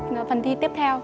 trong phần thi tiếp theo